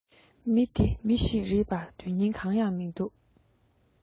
མི འདི མི ཞིག བྱེད པར དོན རྙིང གང ཡང མེད